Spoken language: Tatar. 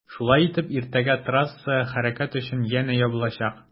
Шулай итеп иртәгә трасса хәрәкәт өчен янә ябылачак.